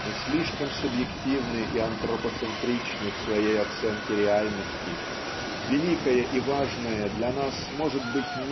Мы слишком субъективны и антропоцентричны в своей оценке реальности великое и важное для нас может быть